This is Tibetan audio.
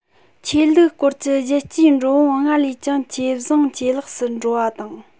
ཆོས ལུགས སྐོར གྱི རྒྱལ སྤྱིའི འགྲོ འོང སྔར ལས ཀྱང ཇེ བཟང ཇེ ལེགས སུ འགྲོ བ དང